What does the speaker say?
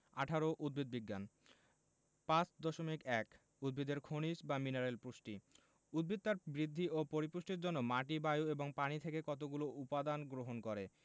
১৮ উদ্ভিদ বিজ্ঞান ৫.১ উদ্ভিদের খনিজ বা মিনারেল পুষ্টি উদ্ভিদ তার বৃদ্ধি ও পরিপুষ্টির জন্য মাটি বায়ু এবং পানি থেকে কতগুলো উপদান গ্রহণ করে